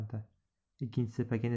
ikkinchisi pakana